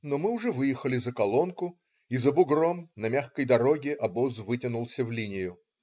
Но мы уже выехали за Колонку, и за бугром на мягкой дороге обоз вытянулся в линию.